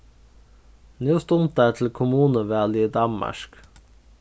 nú stundar til kommunuvalið í danmark